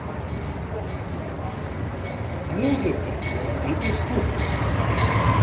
музыка вид искусства